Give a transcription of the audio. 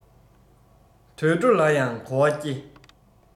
དུད འགྲོ ལ ཡང གོ བ སྐྱེ